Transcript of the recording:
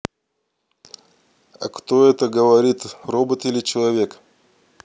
а кто это говорит робот или человек